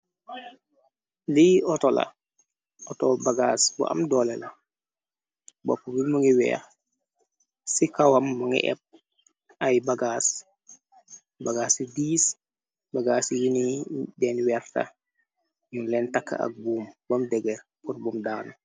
Lii auto la auto bagaas bu am doole la bopp bilmu ngi weex ci kawam manga epp ay bagaas bagaas ci diis bagaas yini deen weerta ñu leen takk ak buum boom deger pot buum daanu.